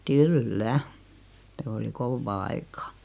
kyllä se oli kovaa aikaa